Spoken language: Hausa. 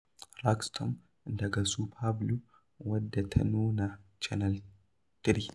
2. "Rag Storm" daga Super Blue, wadda ta nuna Canal 3.